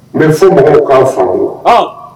Mɛ fɔ magogolo k'an faamu wa